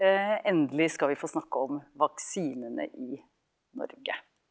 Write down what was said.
endelig skal vi få snakke om vaksinene i Norge.